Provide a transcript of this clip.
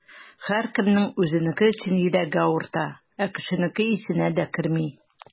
Һәркемнең үзенеке өчен йөрәге авырта, ә кешенеке исенә дә керми.